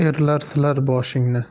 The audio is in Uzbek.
erlar silar boshingni